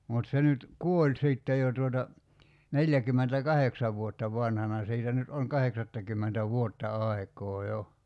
mutta se nyt kuoli sitten jo tuota neljäkymmentäkahdeksan vuotta vanhana siitä nyt on kahdeksattakymmentä vuotta aikaa jo